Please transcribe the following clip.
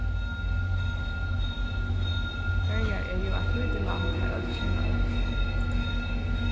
føroyar er jú eitt lítið land har øll kenna øll